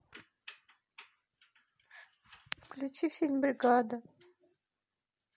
включи фильм бригада